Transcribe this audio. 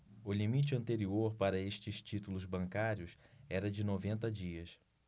o limite anterior para estes títulos bancários era de noventa dias